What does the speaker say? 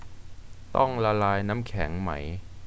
ต้องละลายน้ำแข็งไหม